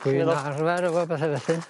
Dwi'n arfer efo bethe felly.